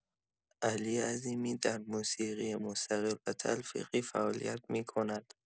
علی عظیمی در موسیقی مستقل و تلفیقی فعالیت می‌کند.